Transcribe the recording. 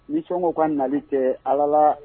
Ni sɔngɔ ka nali kɛ ala la